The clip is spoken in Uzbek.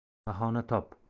bahona top